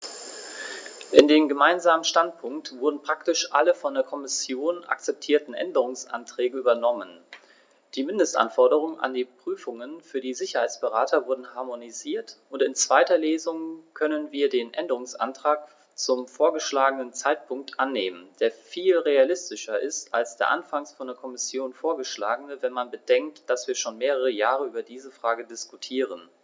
In den gemeinsamen Standpunkt wurden praktisch alle von der Kommission akzeptierten Änderungsanträge übernommen, die Mindestanforderungen an die Prüfungen für die Sicherheitsberater wurden harmonisiert, und in zweiter Lesung können wir den Änderungsantrag zum vorgeschlagenen Zeitpunkt annehmen, der viel realistischer ist als der anfangs von der Kommission vorgeschlagene, wenn man bedenkt, dass wir schon mehrere Jahre über diese Frage diskutieren.